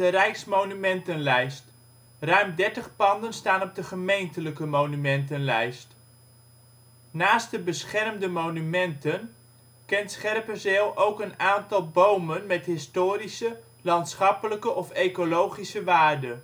Rijksmonumentenlijst. Ruim dertig panden staan op de Gemeentelijke monumentenlijst. Naast de beschermde monumenten kent Scherpenzeel ook een aantal bomen met historische, landschappelijke of ecologische waarde